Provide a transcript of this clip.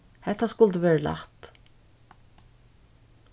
hetta skuldi verið lætt